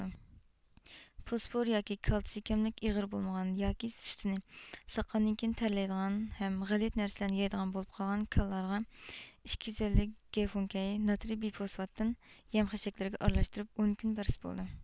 فوسفور ياكى كالتسىي كەملىك ئېغىر بولمىغان ياكى سۈتىنى ساغقاندىن كېيىن تەرلەيدىغان ھەم غەلىتە نەرسىلەرنى يەيدىغان بولۇپ قالغان كالىلارغا ئىككى يۈز ئەللىك گەيفۇڭگەي ناترىي بىفوسفاتتىن يەم خەشەكلىرىگە ئارىلاشتۇرۇپ ئون كۈن بەرسە بولىدۇ